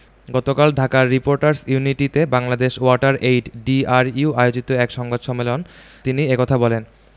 গতকাল ঢাকা রিপোর্টার্স ইউনিটিতে water aid DRU Bangladesh আয়োজিত এক সংবাদ সম্মেলন তিনি এ কথা বলেন